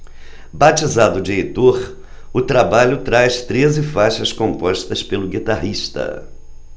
batizado de heitor o trabalho traz treze faixas compostas pelo guitarrista